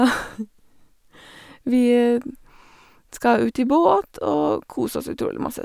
Vi dn skal ut i båt og kose oss utrolig masse.